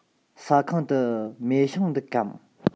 ཟ ཁང དུ མེ ཤིང འདུག གམ